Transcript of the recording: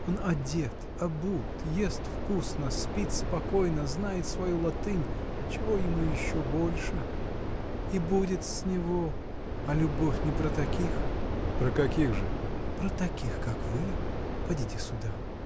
Он одет, обут, ест вкусно, спит покойно, знает свою латынь: чего ему еще больше? И будет с него. А любовь не про таких! — Про каких же? — Про таких, как вы. Подите сюда!